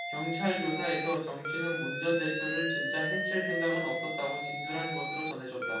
경찰 조사에서 정씨는 문 전 대표를 진짜 해칠 생각은 없었다고 진술한 것으로 전해졌다